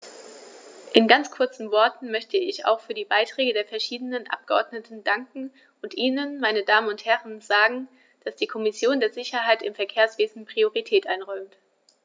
In ganz kurzen Worten möchte ich auch für die Beiträge der verschiedenen Abgeordneten danken und Ihnen, meine Damen und Herren, sagen, dass die Kommission der Sicherheit im Verkehrswesen Priorität einräumt.